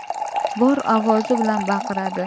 bor ovozi bilan baqiradi